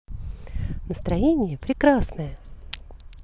настроение прекрасное